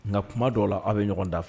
Nka tuma dɔw la aw bɛ ɲɔgɔn dafa